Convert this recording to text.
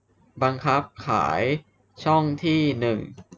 บังคับขายช่องที่หนึ่ง